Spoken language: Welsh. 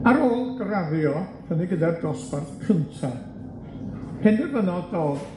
Ar ôl graddio, hynny gyda'r dosbarth cyntaf, penderfynodd Dodd